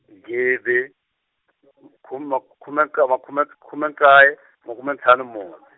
gidi , khum- makhume nka-, makhume khume nkaye makume ntlhanu mune.